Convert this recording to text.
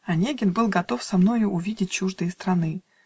Онегин был готов со мною Увидеть чуждые страны